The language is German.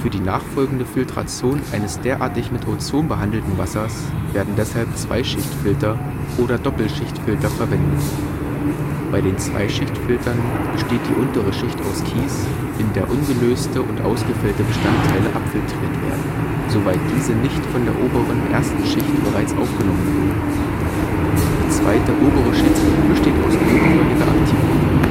die nachfolgende Filtration eines derartig mit Ozon behandelten Wassers werden deshalb 2-Schichtfilter oder Doppelschichtfilter verwendet. Bei den 2-Schichtfiltern besteht die untere Schicht aus Kies, in der ungelöste und ausgefällte Bestandteile abfiltriert werden, soweit diese nicht von der oberen ersten Schicht bereits aufgenommen wurden. Die 2. obere Schicht besteht aus grobkörniger Aktivkohle